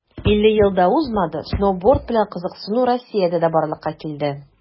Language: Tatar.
50 ел да узмады, сноуборд белән кызыксыну россиядә дә барлыкка килде.